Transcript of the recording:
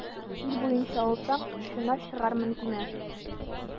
Ил буенча алсаң, очына чыгармын димә.